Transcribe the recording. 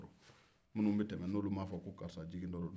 minnu bɛ tɛmɛ ni olu ma fo karisa jigi tɔ do